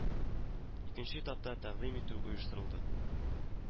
Икенче этапта тәкъдим итү оештырылды